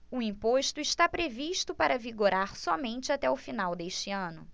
o imposto está previsto para vigorar somente até o final deste ano